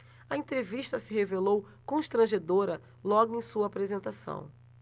a entrevista se revelou constrangedora logo em sua apresentação